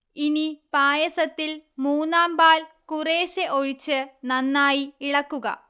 ഇനി പായസത്തിൽ മൂന്നാം പാൽ കുറേശ്ശെ ഒഴിച്ച് നന്നായി ഇളക്കുക